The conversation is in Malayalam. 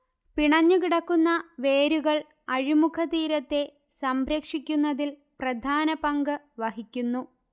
പിണഞ്ഞുകിടക്കുന്ന വേരുകൾ അഴിമുഖ തീരത്തെ സംരക്ഷിക്കുന്നതിൽ പ്രധാനപങ്ക് വഹിക്കുന്നു